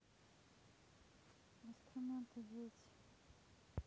инструменты дети